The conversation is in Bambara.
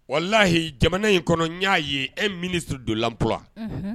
Wala lahiyi jamana in kɔnɔ y'a ye e mini sudolanp